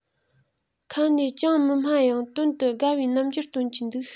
ཁ ནས ཅང མི སྨྲ ཡང དོན དུ དགའ བའི རྣམ འགྱུར སྟོན གྱིན འདུག